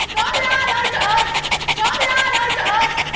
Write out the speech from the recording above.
cố lên ơi trời cố lên ơi trời